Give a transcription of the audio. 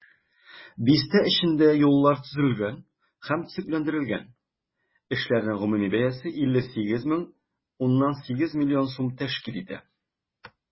Бистә эчендә юллар төзелгән һәм төзекләндерелгән, эшләрнең гомуми бәясе 58,8 миллион сум тәшкил иткән.